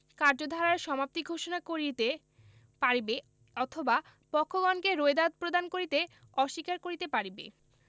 কার্যধারার সমাপ্তি ঘোষণা করিতে পারিবে অথবা পক্ষগণকে রোয়েদাদ প্রদান করিতে অস্বীকার করিতে পারিবে